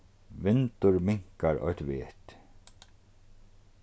vindur minkar eitt vet